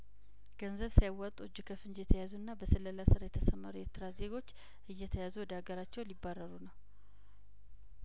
ገንዘብ ሲያዋጡ እጅ ከፍንጅ የተያዙና በስለላ ስራ የተሰማሩ የኤርትራ ዜጐች እየተያዙ ወደ ሀገራቸው ሊባረሩ ነው